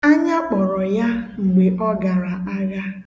Anya kpọrọ ya mgbe ọ gara agha.